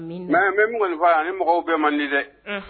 Mɛ bɛ ŋɔnifa ni mɔgɔw bɛɛ man di dɛ